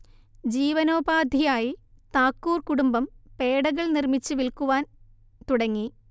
ജീവനോപാധിയായി താക്കൂർ കുടുംബം പേഡകൾ നിർമ്മിച്ച് വിൽക്കുവാൻ തുടങ്ങി